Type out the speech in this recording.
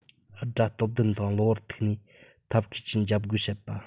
དགྲ སྟོབས ལྡན དང གློ བུར ཐུག ནས ཐབས མཁས ཀྱིས འཇབ རྒོལ བྱེད པ